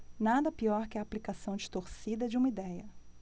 nada pior que a aplicação distorcida de uma idéia